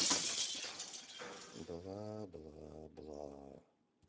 бла бла бла